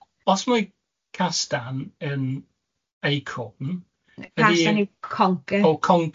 Os mae castan yn acorn... Castan yw conker... Oh conker.